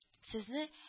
Сезне